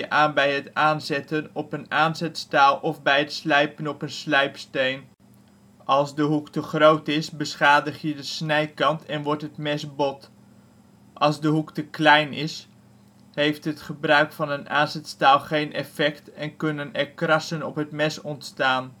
aan bij het aanzetten op een aanzetstaal of bij het slijpen op een slijpsteen) Als de hoek te groot is beschadig je de snijkant en wordt het mes bot. Als de hoek te klein is heeft het gebruik van een aanzetstaal geen effect en kunnen er krassen op het mes ontstaan